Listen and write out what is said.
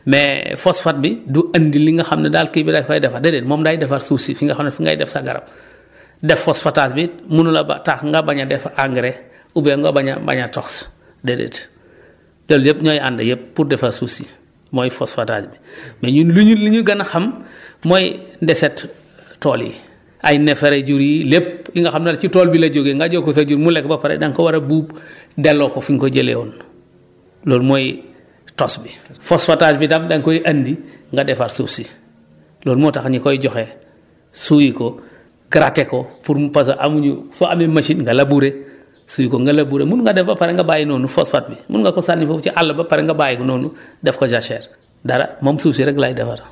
mais phospahte bi du andi li nga xam ne daal kii bi da koy defar déedéet moom day defar suuf si fi nga xam ne fi ngay def sa garab def phosphatage bi mënula ba tax nga bañ a def engrais oubien nga bañ a bañ a tos déedéet loolu yëpp ñooy ànd yëpp pour defar suuf si mooy phosphatage bi mais ñun lu ñu lu ñu gën a xam mooy ndeset tool yi ay neefere jur yi lépp li nga xam ne ci tool bi la jógee nga jox ko sa jur mu lekk ba pare da nga ko war a buub delloo ko fi nga ko jëlee woon loolu mooy tos bi phosphatage bi tam da nga koy andi nga defar suuf si loolu moo tax énu koy joxe suy ko cratter ko pour mu parce que amuñu soo amee machine nga labourer suy ko nga labourer mun nga def ba pare nga bàyyi noonu phosphate bi mun nga ko sànni foofu ci àll ba pare nga bàyyi ko noonu def ko jachère dara moom suuf si rek lay defar